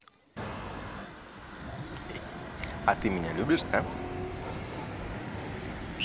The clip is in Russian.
а ты меня любишь да